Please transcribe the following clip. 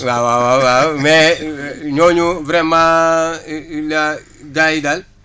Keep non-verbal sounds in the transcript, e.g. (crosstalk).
waaw waaw waaw mais (hesitation) ñooñu vraiment gars yi daal